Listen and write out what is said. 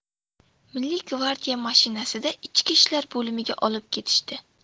milliy gvardiya mashinasida ichki ishlar bolimiga olib ketishdi